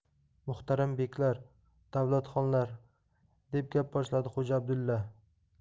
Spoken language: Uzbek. muhtaram beklar davlatxohlar deb gap boshladi xo'ja abdulla